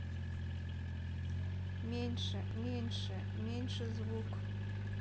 меньше меньше меньше звук